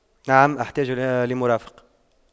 نعم احتاج لمرافق